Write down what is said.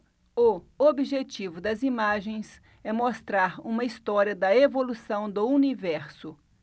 o objetivo das imagens é mostrar uma história da evolução do universo